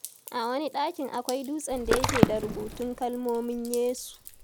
A wani ɗakin akwai dutsen da yake da rubutun kalmomin Yesu.